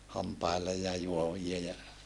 hampaille ja juovia ja